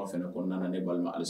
Fana kɔnɔna na ne balima alis